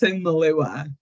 syml yw e.